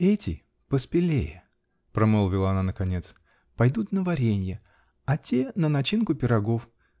-- Эти -- поспелее, -- промолвила она наконец, -- пойдут на варенье, а те на начинку пирогов.